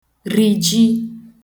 rìji